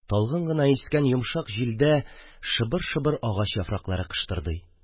Талгын гына искән йомшак җилдә шыбыр-шыбыр агач яфраклары кыштырдый иде.